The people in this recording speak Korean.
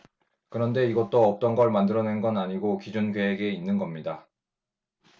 그런데 이것도 없던걸 만들어낸건 아니고 기존 계획에 있는 겁니다